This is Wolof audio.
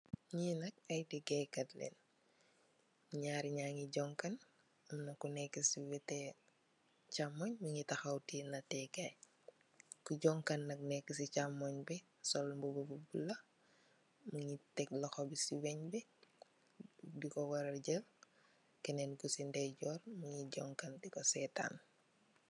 Ñi nak ay ligey kat lañ, ñaar ña ñg jooñkan. Am na ku nekkë si wetti chaamoy mu ngi taxaw, tiye natte kaay. Ki jooñgkan nak neek si chaamoy bi, sol mbubu bu bulo, mu ngi Tek loxo si weñ bi, dikko wara jël, ku si ndeyjoor, mu ngi seetan.